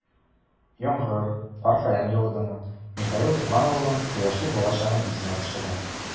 Яңгыр, кар-фәлән яудымы, Михаил туган авылын, кояшлы балачагын исенә төшерә.